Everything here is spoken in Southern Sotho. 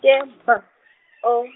ke B O.